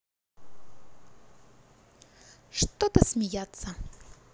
что то смеяться